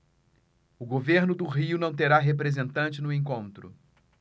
o governo do rio não terá representante no encontro